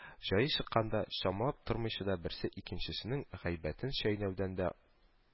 Җае чыкканда, чамалап тормыйча берсе икенчесенең гайбәтен чәйнәүдән дә